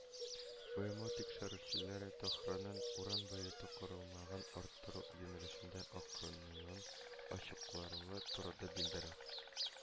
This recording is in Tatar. БМО тикшерүчеләре Тәһранның уран баету корылмаларын арттыру юнәлешендә акырынаюын ачыклаулары турыда белдерә